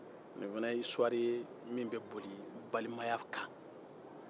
nin fana ye isuwari ye min be boli balimaya kan